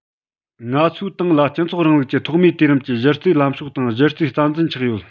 ང ཚོའི ཏང ལ སྤྱི ཚོགས རིང ལུགས ཀྱི ཐོག མའི དུས རིམ གྱི གཞི རྩའི ལམ ཕྱོགས དང གཞི རྩའི རྩ འཛིན ཆགས ཡོད